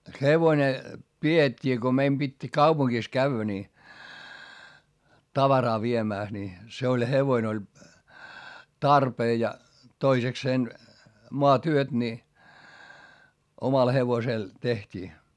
hevonen pidettiin kun meidän piti kaupungissa käydä niin tavaraa viemässä niin se oli hevonen oli tarpeen ja toisekseen maatyöt niin omalla hevosella tehtiin